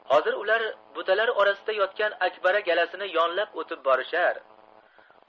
hozir ular butalar orasida yotgan akbara galasini yonlab o'tib borishar